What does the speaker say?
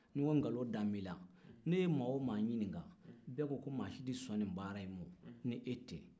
ni n ko nkalon dalen b'i la ne ye maa o maa ɲininka bɛɛ ko maa si tɛ son nin baara in ma n'e tɛ